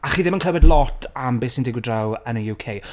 A chi ddim yn clywed lot am beth sy'n digwydd draw yn y UK.